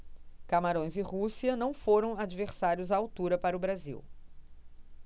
camarões e rússia não foram adversários à altura para o brasil